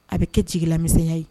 A bɛ kɛ ci lamisɛnya ye